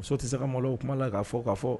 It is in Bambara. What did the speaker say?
Muso ti se ka malo o kuma la kaa fɔ ka fɔ